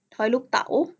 ทอยลูกเต๋า